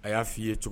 A y'a fɔi ye cogo